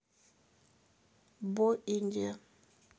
бо индия